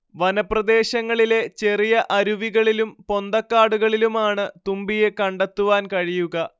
വനപ്രദേശങ്ങളിലെ ചെറിയ അരുവികളിലും പൊന്തക്കാടുകളിലുമാണ് തുമ്പിയെ കണ്ടെത്തുവാൻ കഴിയുക